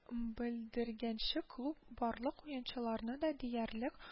Белдергәнче, клуб барлык уенчыларны да диярлек